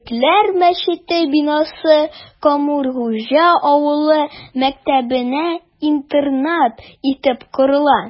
Төрекләр мәчете бинасы Комыргуҗа авылы мәктәбенә интернат итеп корыла...